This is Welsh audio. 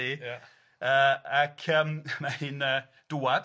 Yy ac yym mae hi'n yy dŵad